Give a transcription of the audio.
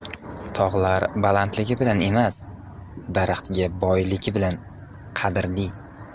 tog'lar balandligi bilan emas daraxtga boyligi bilan qadrli